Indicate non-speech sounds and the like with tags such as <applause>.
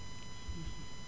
<hesitation> <hesitation>